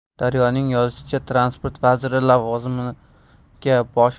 daryoning yozishicha transport vaziri lavozimiga bosh